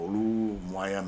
Olu moyenne